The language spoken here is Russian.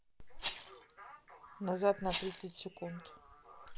назад на тридцать секунд